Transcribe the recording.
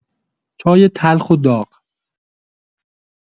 چای تلخ و داغ